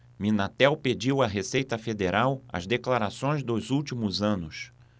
minatel pediu à receita federal as declarações dos últimos anos